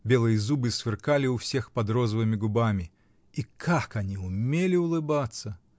белые зубы сверкали у всех под розовыми губами, -- и как они умели улыбаться!